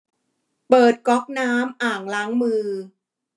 เปิดก๊อกน้ำอ่างล้างมือ